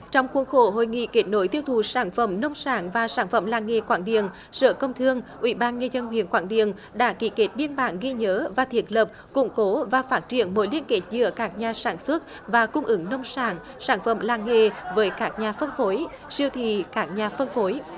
trong khuôn khổ hội nghị kết nối tiêu thụ sản phẩm nông sản và sản phẩm làng nghề quảng điền sở công thương ủy ban nhân dân huyện quảng điền đã ký kết biên bản ghi nhớ và thiết lập củng cố và phát triển mối liên kết giữa các nhà sản xuất và cung ứng nông sản sản phẩm làng nghề với các nhà phân phối siêu thị các nhà phân phối